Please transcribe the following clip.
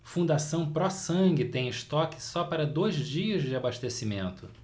fundação pró sangue tem estoque só para dois dias de abastecimento